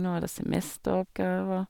Når er det semesteroppgaver?